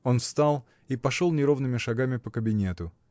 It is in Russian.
Он встал и пошел неровными шагами по кабинету.